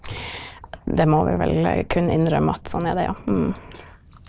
det må vi vel kunne innrømme at sånn er det ja .